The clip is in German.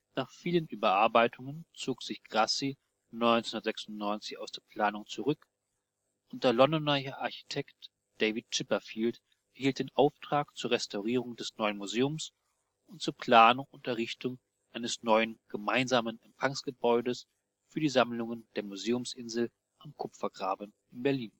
Nach vielen Überarbeitungen zog sich Grassi 1996 aus der Planung zurück, und der Londoner Architekt David Chipperfield erhielt den Auftrag zur Restaurierung des Neuen Museums und zur Planung und Errichtung eines neuen gemeinsamen Empfangsgebäudes für die Sammlungen der Museumsinsel am Kupfergraben in Berlin